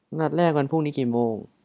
นัดแรกวันพรุ่งนี้กี่โมง